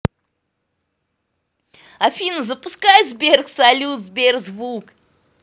афина запускай сберзвук салют сбер звук